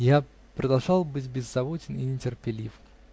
Я продолжал быть беззаботен и нетерпелив.